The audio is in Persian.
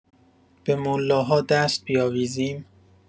به ملاها دست بیاویزیم؟